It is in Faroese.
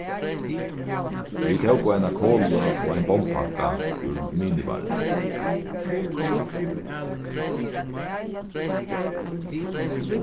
vit tóku eina kola og ein bommpakka úr minibarrini